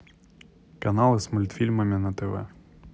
каналы с мультфильмами на тв